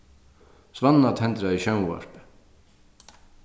svanna tendraði sjónvarpið